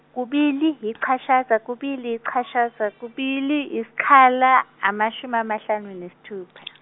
kubili ichashaza kubili ichashaza kubili iskhala amashumi amahlanu nesithupha.